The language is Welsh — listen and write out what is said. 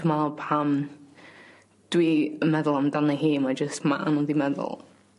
dwi me'wl pan dwi yn meddwl amdani hi mae jyst ma' anodd i meddwl